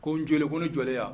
Ko n jɔ ko ne jɔn yan